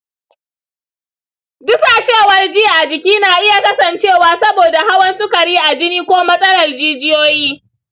dusashewar ji a jiki na iya kasancewa saboda hawan sukari a jini ko matsalar jijiyoyi.